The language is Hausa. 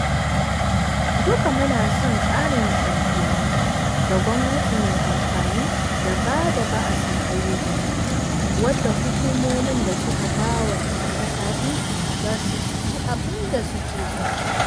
Duka muna son ƙarin tsantseni da gwamnati mai amfani da ba da ba'asin ayyukanta, wadda hukumomin da suka ba wa 'yan ƙasa iko za su yi abin da suke so.